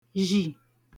zhì